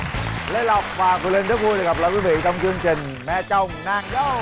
lộc và quyền linh rất vui được gặp lại quý vị trong chương trình mẹ chồng nàng dâu